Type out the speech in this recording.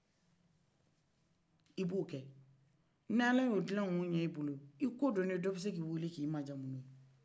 i b'o kɛ n'alaye o gilan ka o ɲan e bolo i kɔdone dɔ bɛ se k'i wele k'i majamu n'oye